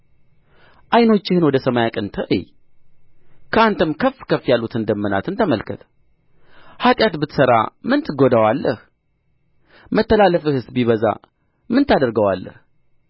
ዓይኖችህን ወደ ሰማይ አቅንተህ እይ ከአንተም ከፍ ከፍ ያሉትን ደመናት ተመልከት ኃጢአት ብትሠራ ምን ትጐዳዋለህ መተላለፍህስ ቢበዛ ምን ታደርገዋለህ